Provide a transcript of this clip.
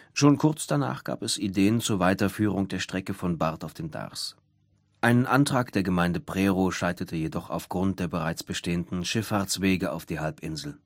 Schon kurz danach gab es Ideen zur Weiterführung der Strecke von Barth auf den Darß. Ein Antrag der Gemeinde Prerow scheiterte jedoch aufgrund der bereits bestehenden Schifffahrtswege zu der Halbinsel